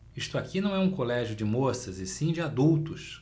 isto aqui não é um colégio de moças e sim de adultos